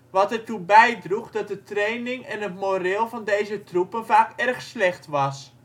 wat ertoe bijdroeg dat de training en het moreel van deze troepen vaak erg slecht was